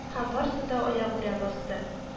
Һәм барсы да аягурә басты